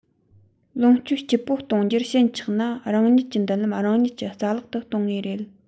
ལོངས སྤྱོད སྐྱིད པོ གཏོང རྒྱུར ཞེན ཆགས ན རང ཉིད ཀྱི མདུན ལམ རང ཉིད ཀྱིས རྩ བརླག གཏོང ངེས རེད